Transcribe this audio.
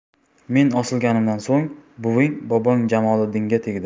men osilganimdan so'ng buving bobong jamoliddinga tegdi